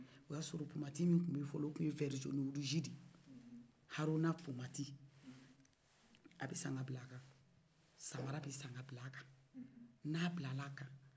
oyasɔrɔ pomati min tunbɛyi o tu ye verzoni rougi deye haruna pomati a bɛ san ka bl'a kan samara bɛsan k'abl'akan n'a blal'akan